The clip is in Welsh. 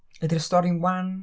Ydy'r stori'n wan?